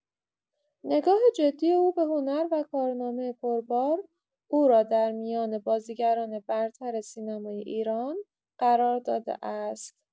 نگاه جدی او به هنر و کارنامه پربار، او را در میان بازیگران برتر سینمای ایران قرار داده است.